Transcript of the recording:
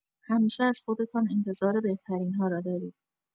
همیشه از خودتان انتظار بهترین‌ها را دارید.